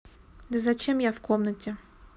да зачем я в комнате